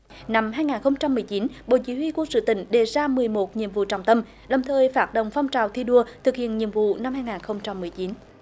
năm hai ngàn không trăm mười chín bộ chỉ huy quân sự tỉnh đề ra mười một nhiệm vụ trọng tâm đồng thời phát động phong trào thi đua thực hiện nhiệm vụ năm hai ngàn không trăm mười chín